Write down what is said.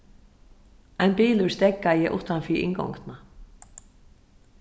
ein bilur steðgaði uttan fyri inngongdina